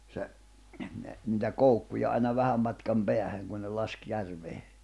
se ne niitä koukkuja aina vähän matkan päähän kun ne laski järveen